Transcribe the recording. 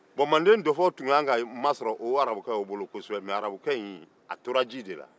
bɔn manden dɔfɔ tun ka kan ka masɔrɔ aw arabukɛ wo bolo kosɔbɛ mɛ arabukɛ in a tora ji de la